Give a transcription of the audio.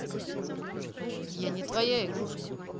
я не твоя игрушка